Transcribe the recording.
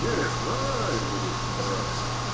- Не знаю, - говорит, - брат.